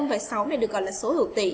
thì được gọi là số hữu tỉ